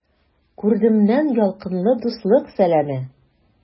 Күрдемнән ялкынлы дуслык сәламе!